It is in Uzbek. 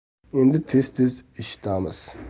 endi tez tez eshitamiz